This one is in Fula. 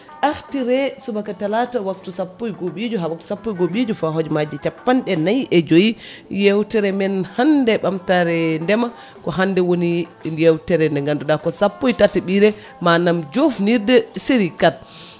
artire subaka talata waktu sappo e gohoɓijo ha waktu sappo e gohoɓijo fawa hojomaji capanɗe nayyi e joyyi yewtere men hande ɓamtare ndeema ko hande woni yewtere nde ganduɗa ko sappo e tataɓire manam jofnirde série 4